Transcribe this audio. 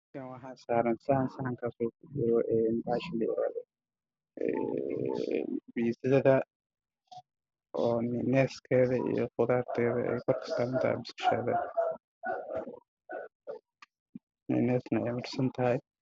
Waa saxan cadaan waxaa ku jira bariis waxaa kor ka saaran khudaar cagaaran